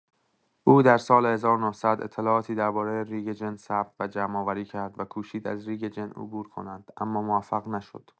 او در سال۱۹۰۰ اطلاعاتی درباره ریگ جن ثبت و جمع‌آوری کرد و کوشید از ریگ جن عبور کند، اما موفق نشد.